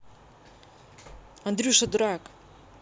андрюша дурак